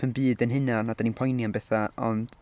Yn byd ein hunan, a dan ni'n poeni am bethau ond...